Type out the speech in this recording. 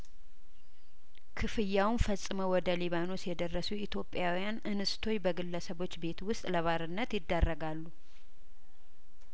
ክፍያውን ፈጽመው ወደ ሊባኖስ የደረሱ ኢትዮጵያውያን እንስቶች በግለሰቦች ቤት ውስጥ ለባርነት ይዳረጋሉ